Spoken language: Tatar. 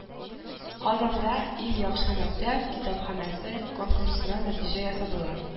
Казанда “Иң яхшы мәктәп китапханәсе” конкурсына нәтиҗә ясадылар